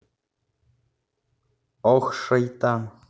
ох шайтан